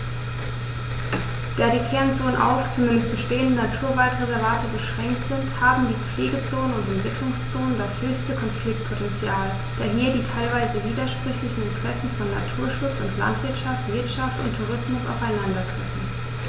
Da die Kernzonen auf – zumeist bestehende – Naturwaldreservate beschränkt sind, haben die Pflegezonen und Entwicklungszonen das höchste Konfliktpotential, da hier die teilweise widersprüchlichen Interessen von Naturschutz und Landwirtschaft, Wirtschaft und Tourismus aufeinandertreffen.